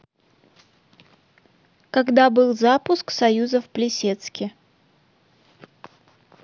когда был запуск союза в плесецке